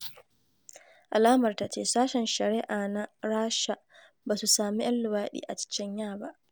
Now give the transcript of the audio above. alamar ta ce: SASHEN SHARI'A NA RASHA BA SU SAMI 'YAN LUWAɗI A CHECHYA BA.